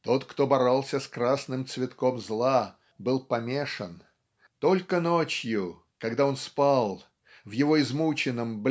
Тот, кто боролся с красным цветком зла, был помешан. Только ночью когда он спал в его измученном